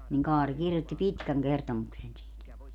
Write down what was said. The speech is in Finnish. niin Kaari kirjoitti pitkän kertomuksen siitä